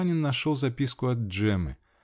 Санин нашел записку от Джеммы.